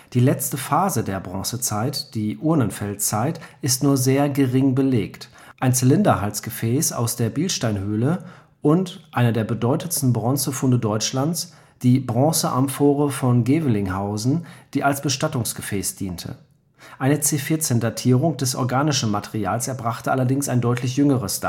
Die letzte Phase der Bronzezeit (Urnenfelderzeit) ist nur sehr gering belegt: ein Zylinderhalsgefäß aus der Bilsteinhöhle und – einer der bedeutendsten Bronzefunde Deutschlands – die Bronzeamphore von Gevelinghausen, die als Bestattungsgefäß diente. Eine C14-Datierung des organischen Materials erbrachte allerdings ein deutlich jüngeres